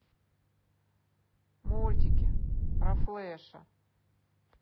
мультики про флэша